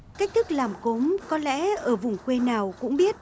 cách thức làm cốm có lẽ ở vùng quê nào cũng biết